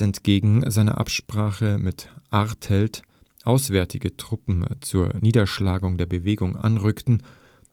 entgegen seiner Absprache mit Artelt auswärtige Truppen zur Niederschlagung der Bewegung anrückten,